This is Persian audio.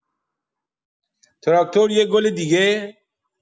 تراکتور یه گل دیگه!